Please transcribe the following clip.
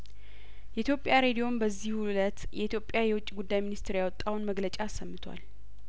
የኢትዮጵያ ሬዲዮም በዚሁ እለት የኢትዮጵያ የውጭ ጉዳይ ሚኒስትር ያወጣውን መግለጫ አሰምቷል